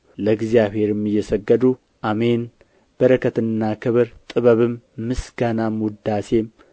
ለእግዚአብሔርም እየሰገዱ አሜን በረከትና ክብር ጥበብም ምስጋናም ውዳሴም